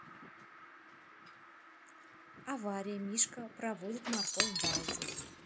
авария мишка проводит морковь балди